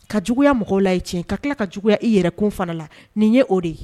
Ka juguyaya mɔgɔ la ye tiɲɛ ka tila ka juguya i yɛrɛkun fana la nin ye o de ye